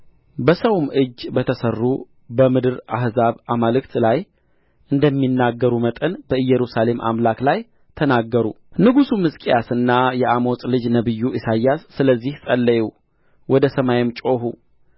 በሰውም እጅ በተሠሩ በምድር አሕዛብ አማልክት ላይ አንደሚናገሩ መጠን በኢየሩሳሌም አምላክ ላይ ተናገሩ ንጉሡም ሕዝቅያስና የአሞጽ ልጅ ነቢዩ ኢሳይያስ ስለዚህ ጸለዩ ወደ ሰማይም ጮኹ